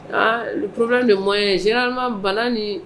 Aa p de mɔn sirama bana ni